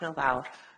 Hwyl fawr.